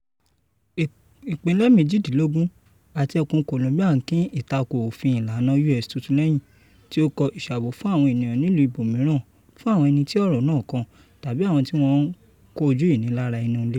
Ìpínlẹ̀ méjìdínlógún àti Ẹkùn Columbia ń kín ìtakò òfin ìlànà U.S tuntun lẹ́hìn tí ó kọ ìṣàbò fún àwọn ènìyàn nílùú ibòmíràn fún àwọn ẹni tí ọ̀rọ̀ náà kàn tàbí àwọn tí wọ́n kojú ìnilára inú-ilé.